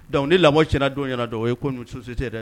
Donc ni lamɔ tiɲɛna dɛw ɲɛna don o ye ko ninnu société yɛrɛ